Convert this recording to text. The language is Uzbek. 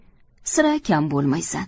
sira kam bo'lmaysan